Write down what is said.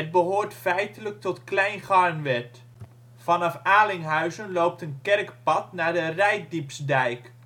behoort feitelijk tot Klein Garnwerd. Vanaf Alinghuizen loopt een kerkpad naar de Reitdiepsdijk